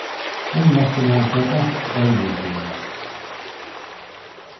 um náttina sær alt øðrvísi út